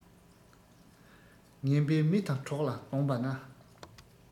ངན པའི མི དང གྲོགས ལ བསྡོངས པ ན